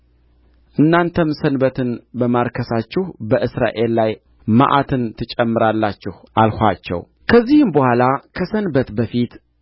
እናንተም ሰንበትን በማርከሳችሁ በእስራኤል ላይ መዓትን ትጨምራላችሁ አልኋቸው ከዚህ በኋላ ከሰንበት በፊት